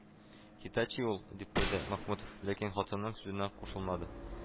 —“хитачи” ул,—дип куйды мәхмүтов, ләкин хатынының сүзенә кушылмады